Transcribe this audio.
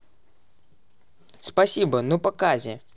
спасибо ну показе